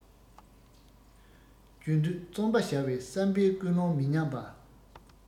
རྒྱུན མཐུད བརྩོན པ བྱ བའི བསམ པའི ཀུན སློང མི ཉམས པ